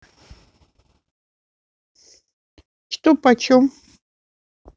что по чем